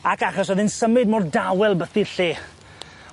Ac achos o'dd e'n symud mor dawel bythti'r lle.